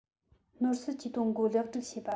ནོར སྲིད ཀྱི གཏོང སྒོ ལེགས སྒྲིག བྱེད པ